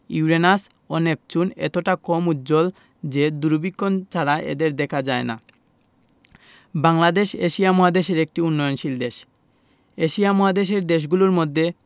Uranus ও Neptune এতটা কম উজ্জ্বল যে দূরবীক্ষণ ছাড়া এদের দেখা যায় না বাংলাদেশ এশিয়া মহাদেশের একটি উন্নয়নশীল দেশ এশিয়া মহাদেশের দেশগুলোর মধ্যে